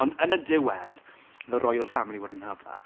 Ond yn y diwedd, the Royal Family wouldn't have that.